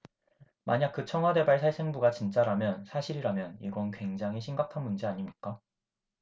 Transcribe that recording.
만약 그 청와대발 살생부가 진짜라면 사실이라면 이건 굉장히 심각한 문제 아닙니까